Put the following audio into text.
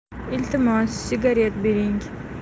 iltimos sigaret bering